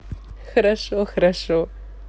хорошо хорошо